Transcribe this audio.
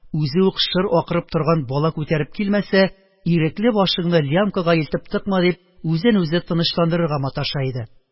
Үзе үк шыр акырып торган бала күтәреп килмәсә, ирекле башыңны лямкага илтеп тыкма», – дип, үзен үзе тынычландырырга маташа иде